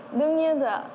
đương nhiên rồi ạ